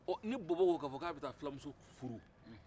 bɔn ni numu ko k'a bɛ taa fulamuso furu